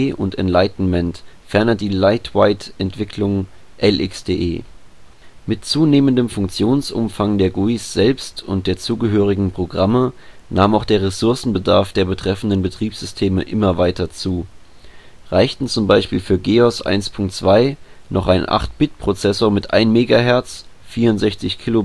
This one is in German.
und Enlightenment, ferner die Lightweight-Entwicklung LXDE. Mit zunehmendem Funktionsumfang der GUIs selbst und der zugehörigen Programme nahm auch der Ressourcenbedarf der betreffenden Betriebssysteme immer weiter zu. Reichten z. B. für GEOS 1.2 noch ein 8-Bit-Prozessor mit 1 MHz, 64 KB Arbeitsspeicher